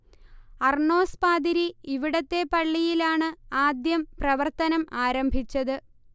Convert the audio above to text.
Arnos പാതിരി ഇവിടത്തെ പള്ളിയിലാണ് ആദ്യം പ്രവർത്തനം ആരംഭിച്ചത്